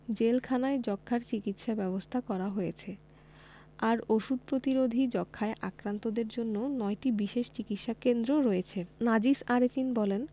জেলখানায় যক্ষ্মার চিকিৎসা ব্যবস্থা করা হয়েছে আর ওষুধ প্রতিরোধী যক্ষ্মায় আক্রান্তদের জন্য ৯টি বিশেষ চিকিৎসাকেন্দ্র রয়েছে নাজিস আরেফিন বলেন